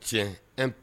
Tiɲɛ anp